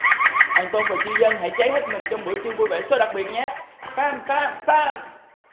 hoàng tôn và chi dân hãy cháy hết mình trong buổi trưa vui vẻ số đặc biệt nhé pam pam pam